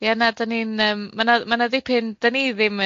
Ie na dan ni'n yym ma' na ma' na ddipyn dan ni ddim